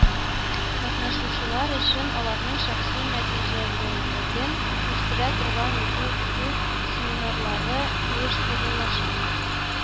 Катнашучылар өчен аларның шәхси нәтиҗәлелеген үстерә торган уку-укыту семинарлары оештырылачак